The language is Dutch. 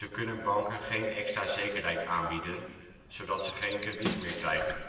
kunnen hun banken geen extra zekerheid aanbieden, zodat ze geen krediet meer krijgen